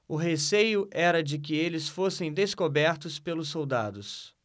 o receio era de que eles fossem descobertos pelos soldados